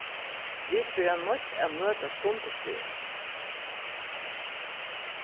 vit verða noydd at møta stundisliga